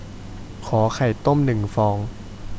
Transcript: ขอไข่ต้มหนึ่งฟอง